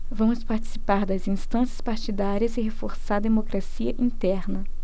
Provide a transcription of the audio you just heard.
vamos participar das instâncias partidárias e reforçar a democracia interna